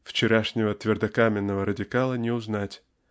Вчерашнего твердокаменного радикала не узнать